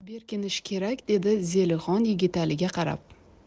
berkinish kerak dedi zelixon yigitaliga qarab